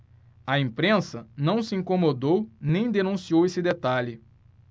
a imprensa não se incomodou nem denunciou esse detalhe